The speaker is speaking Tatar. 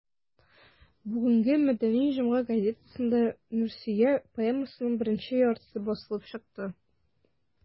Бүгенге «Мәдәни җомга» газетасында «Нурсөя» поэмасының беренче яртысы басылып чыкты.